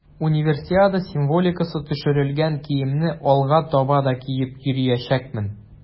Универсиада символикасы төшерелгән киемне алга таба да киеп йөриячәкмен.